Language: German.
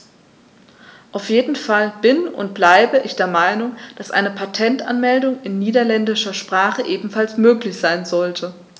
Auf jeden Fall bin - und bleibe - ich der Meinung, dass eine Patentanmeldung in niederländischer Sprache ebenfalls möglich sein sollte.